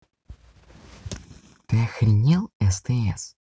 ты охренел стс